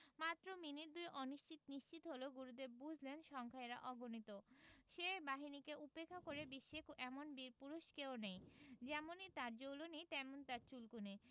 মাত্র মিনিট দুই অনিশ্চিত নিশ্চিত হলো গুরুদেব বুঝলেন সংখ্যায় এরা অগণিত সে বাহিনীকে উপেক্ষা করে বিশ্বে এমন বীরপুরুষ কেউ নেই যেমন তার জ্বলুনি তেমনি তার চুলকুনি